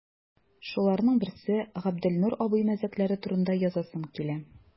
Шуларның берсе – Габделнур абый мәзәкләре турында язасым килә.